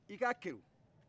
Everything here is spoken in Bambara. i k'a kerun